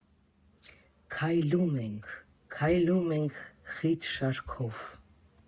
Քայլում ենք, քայլում ենք խիտ շարքով։